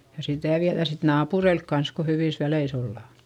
ja sitä viedään sitten naapureille kanssa kun hyvissä väleissä ollaan